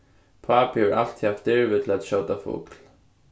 pápi hevur altíð havt dirvi til at skjóta fugl